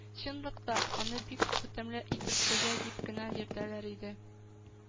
Чынлыкта аны бик үтемле итеп Хуҗа дип кенә йөртәләр иде